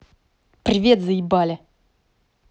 привет заебали